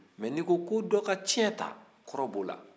nka n'i ko ko dɔ ka cɛn ta kɔrɔ b'o la